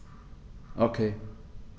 Okay.